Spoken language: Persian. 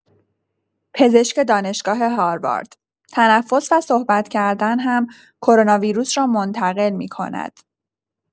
پزشک دانشگاه هاروارد: تنفس و صحبت کردن هم کروناویروس را منتقل می‌کند.